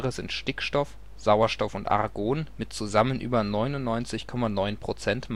sind Stickstoff, Sauerstoff und Argon mit zusammen über 99,9 %